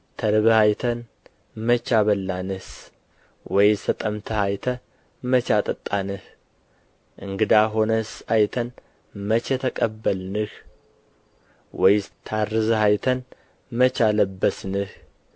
ተርበህ አይተን መቼ አበላንህስ ወይስ ተጠምተህ አይተን መቼ አጠጣንህ እንግዳ ሆነህስ አይተን መቼ ተቀበልንህ ወይስ ታርዘህ አይተን መቼ አለበስንህ